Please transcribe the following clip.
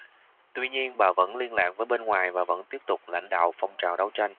tuy nhiên bà vẫn liên lạc với bên ngoài và vẫn tiếp tục lãnh đạo phong trào đấu tranh